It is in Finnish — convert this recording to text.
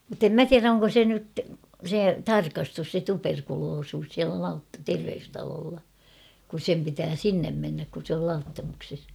mutta en minä tiedä onko se nyt se tarkastus se tuberkuloisuus siellä - terveystalolla kun sen pitää sinne mennä kun se oli Lauttamuksessa